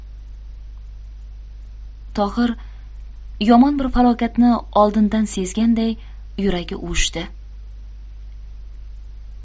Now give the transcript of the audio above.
tohir yomon bir falokatni oldindan sezganday yuragi uvushdi